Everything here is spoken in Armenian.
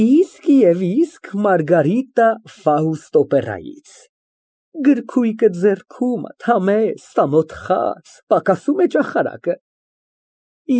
Իսկ և իսկ Մարգարիտտա ֊ Ֆաուստ օպերայից, գրքույկը ձեռքումդ, համեստ, ամոթխած, պակասում է ճախարակը։